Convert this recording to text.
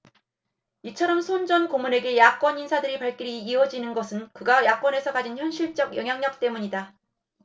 이처럼 손 전 고문에게 야권 인사들의 발길이 이어지는 것은 그가 야권에서 가진 현실적 영향력 때문이다